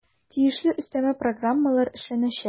Тиешле өстәмә программалар эшләнәчәк.